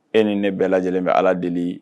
E ni ne bɛɛ lajɛlen bɛ ala deli